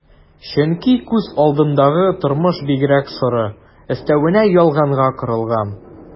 Чөнки күз алдындагы тормыш бигрәк соры, өстәвенә ялганга корылган...